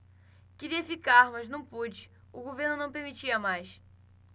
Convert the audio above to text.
queria ficar mas não pude o governo não permitia mais